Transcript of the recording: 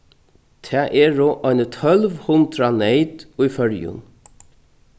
tað eru eini tólv hundrað neyt í føroyum